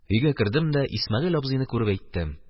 Өйгә кердем дә Исмәгыйль абзыйны күреп әйттем: